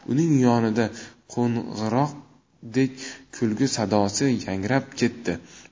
uning yonida qo'ng'iroqdek kulgi sadosi yangrab ketdi